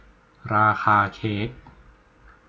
ราคาเค้ก